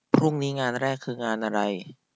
พรุ่งนี้่ิงานแรกคืองานอะไร